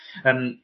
yym